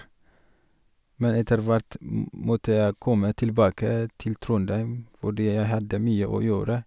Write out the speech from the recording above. Men etter hvert måtte jeg komme tilbake til Trondheim fordi jeg hadde mye å gjøre.